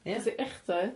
Ia? Gen di echdoe.